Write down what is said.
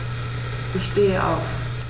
Ich stehe auf.